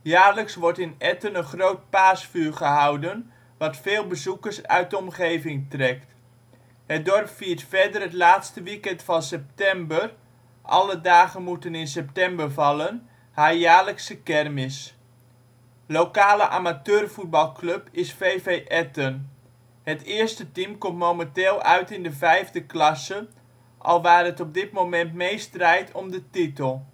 Jaarlijks wordt in Etten een groot paasvuur gehouden, wat veel bezoekers uit de omgeving trekt. Het dorp viert verder het laatste weekend van september (alle dagen moeten in september vallen) haar jaarlijkse kermis. Lokale amateurvoetbalclub is VV Etten. Het eerste team komt momenteel uit in de 5e klasse, alwaar het op dit moment mee strijdt om de titel